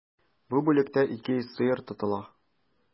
Бу бүлектә 200 сыер тотыла.